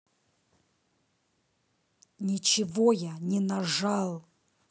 ничего я не нажал